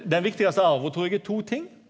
den viktigaste arva trur eg er to ting.